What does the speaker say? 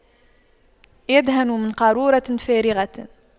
يدهن من قارورة فارغة